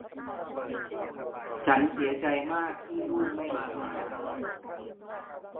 ฉันเสียใจมากที่ลูกไม่มาหา